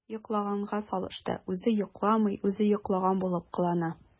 “йоклаганга салышты” – үзе йокламый, үзе йоклаган булып кылана.